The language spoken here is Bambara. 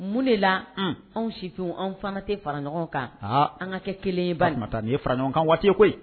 Mun de la anw si fin anw fana tɛ fara ɲɔgɔn kan . An ka kɛ kelen ye. Haa Fatumata nin .ye fara ɲɔgɔn kan waati ye koyi